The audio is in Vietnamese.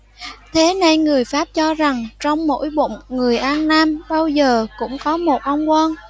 thế nên người pháp cho rằng trong mỗi bụng người an nam bao giờ cũng có một ông quan